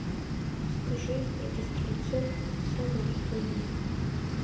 скажи федя стрельцов самый умный